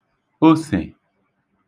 osè